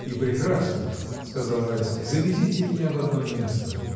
— И прекрасно, — сказал Райский, — завезите меня в одно место!